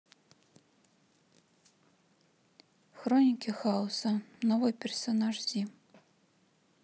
хроники хаоса новый персонаж зи